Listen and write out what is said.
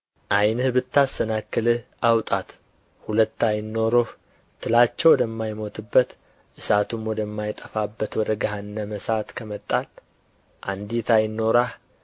ዓይንህ ብታሰናክልህ አውጣት ሁለት ዓይን ኖሮህ ትላቸው ወደማይሞትበት እሳቱም ወደማይጠፋበት ወደ ገሃነመ እሳት ከመጣል አንዲት ዓይን ኖራህ